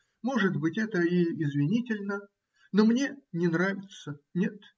может быть, это и извинительно, но мне не нравится, нет.